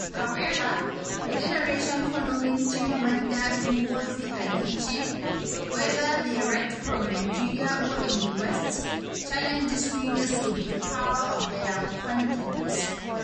However, the generation following Chimamanda Ngozi Adichie, whether they write from Nigeria or in the West, challenges readers with the power of their content.